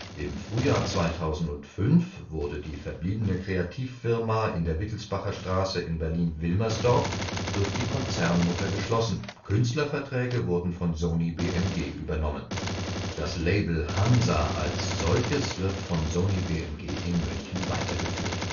Im Frühjahr 2005 wurde die verbliebene Kreativ-Firma in der Wittelsbacherstraße in Berlin-Wilmersdorf durch die Konzernmutter geschlossen, Künstlerverträge wurden von SonyBMG übernommen. Das Label „ Hansa “(LC 0835) als solches wird von SonyBMG in München weitergeführt